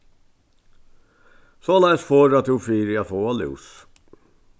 soleiðis forðar tú fyri at fáa lús